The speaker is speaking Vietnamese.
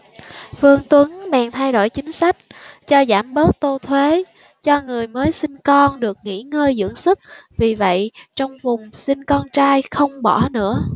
vương tuấn bèn thay đổi chính sách cho giảm bớt tô thuế cho người mới sinh con được nghỉ ngơi dưỡng sức vì vậy trong vùng sinh con trai không bỏ nữa